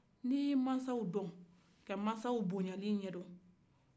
ni ye i mansaw dɔn ka mansaw boɲali dɔn